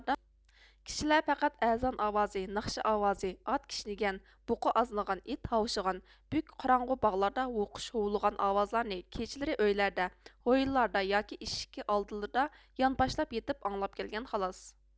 كىشىلەر پەقەت ئەزان ئاۋازى ناخشا ئاۋازى ئات كىشنىگەن بۇقا ئازنىغان ئىت ھاۋشىغان بۈك قاراڭغۇ باغلاردا ھۇۋقۇش ھۇۋلىغان ئاۋازلارنى كېچىلىرى ئۆيلەردە ھويلىلاردا ياكى ئىشىكى ئالدىلىرىدا يانپاشلاپ يېتىپ ئاڭلاپ كەلگەن خالاس